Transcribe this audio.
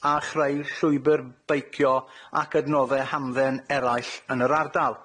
A chreu llwybyr beicio ac adnodde hamdden eraill yn yr ardal.